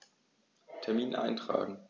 Termin eintragen